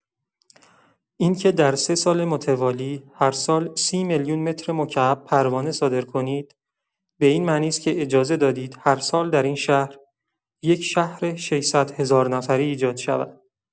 اینکه در سه سال متوالی، هر سال ۳۰ میلیون مترمربع پروانه صادر کنید، به این معنی است که اجازه دادید هر سال در این شهر، یک شهر ۶۰۰ هزار نفری ایجاد شود.